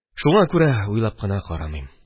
Шуңа күрә уйлап кына карамыйм.